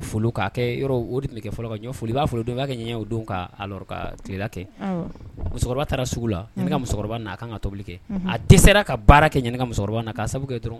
Foli'a kɛ yɔrɔ o de fɔlɔ ka foli b'a foli don b ka ɲɛ o don katigɛla kɛ musokɔrɔba taara sugu la ka musokɔrɔba a kan ka tobili kɛ a dɛsɛ sera ka baara kɛ ɲini ka musokɔrɔba na ka kɛ dɔrɔn